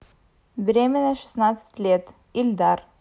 беременна в шестнадцать лет ильдар